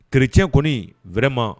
Kereccɛ kɔni wɛrɛma